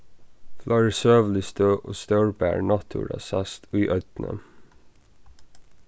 fleiri søgulig støð og stórbær náttúra sæst í oynni